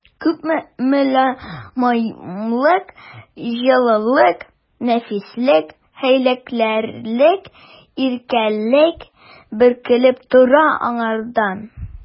Күпме мөлаемлык, җылылык, нәфислек, хәйләкәрлек, иркәлек бөркелеп тора аңардан!